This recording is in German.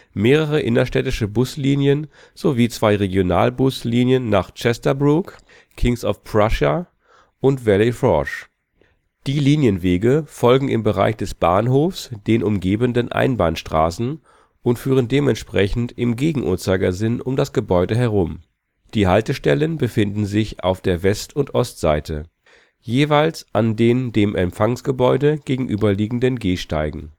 mehrere innerstädtische Buslinien sowie zwei Regionalbuslinien nach Chesterbrook, King of Prussia und Valley Forge. Die Linienwege folgen im Bereich des Bahnhofs den umgebenden Einbahnstraßen und führen dementsprechend im Gegenuhrzeigersinn um das Gebäude herum. Die Haltestellen befinden sich auf der West - und Ostseite, jeweils an den dem Empfangsgebäude gegenüberliegenden Gehsteigen